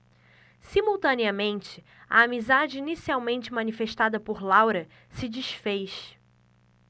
simultaneamente a amizade inicialmente manifestada por laura se disfez